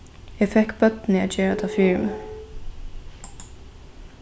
eg fekk børnini at gera tað fyri meg